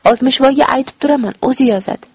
oltmishvoyga aytib turaman o'zi yozadi